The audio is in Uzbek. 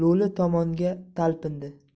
lo'li tomon talpindi